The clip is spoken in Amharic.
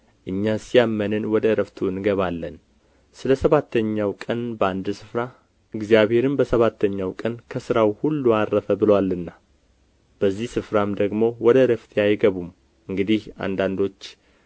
እኛስ ያመንን ወደ ዕረፍቱ እንገባለን ስለ ሰባተኛው ቀን በአንድ ስፍራ እግዚአብሔርም በሰባተኛው ቀን ከሥራው ሁሉ ዐረፈ ብሎአልና በዚህ ስፍራም ደግሞ ወደ ዕረፍቴ አይገቡም እንግዲህ አንዳንዶች